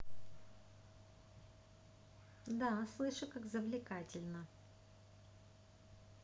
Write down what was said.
да слышу как завлекательно